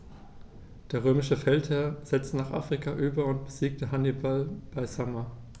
Der römische Feldherr setzte nach Afrika über und besiegte Hannibal bei Zama.